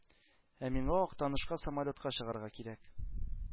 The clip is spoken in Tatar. Ә миңа Актанышка самолетка чыгарга кирәк.